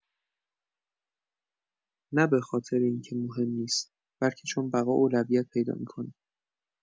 نه به این خاطر که مهم نیست، بلکه چون بقا اولویت پیدا می‌کنه.